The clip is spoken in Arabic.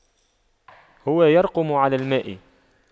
هو يرقم على الماء